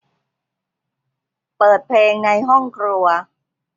เปิดเพลงในห้องครัว